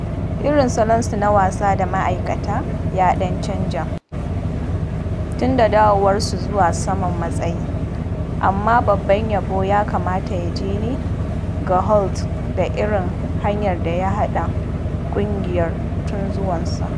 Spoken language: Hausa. Irin salonsu na wasa da ma’aikata ya dan canza tun da dawowarsu zuwa saman matsayi, amma babban yabo ya kamata ya je ne ga Holt da irin hanyar da ya haɗa ƙungiyar tun zuwansa.